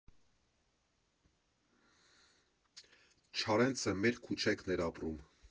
Չարենցը մեր քուչեքն էր ապրում։